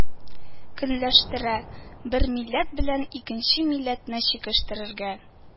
Кенләштерә, бер милләт белән икенче милләтне чәкештерергә